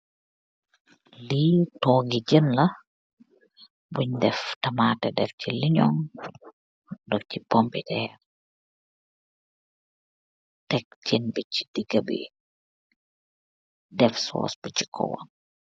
Li togee, jen la. Bung def tamate, def chi linyug, daf chi pompiter. tek jen bi chi diga bi, def soos bi chi kawam.